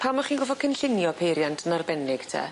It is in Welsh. Pam o'ch chi'n gofo cynllunio peiriant yn arbennig te?